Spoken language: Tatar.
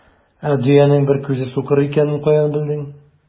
Ә дөянең бер күзе сукыр икәнен каян белдең?